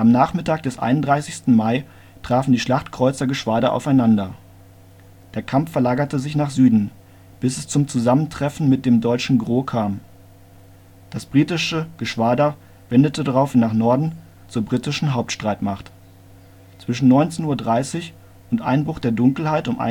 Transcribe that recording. Nachmittag des 31. Mai trafen die Schlachtkreuzergeschwader aufeinander. Der Kampf verlagerte sich nach Süden, bis es zum Zusammentreffen mit dem deutschen Gros kam. Das britische Geschwader wendete daraufhin nach Norden zur britischen Hauptstreitmacht. Zwischen 19:30 und Einbruch der Dunkelheit um